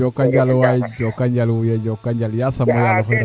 jokonjal waay jokonjal iyo jokonjal yaasam o yaal oxe rabid